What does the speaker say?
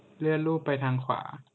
เลื่อนรูปไปทางขวา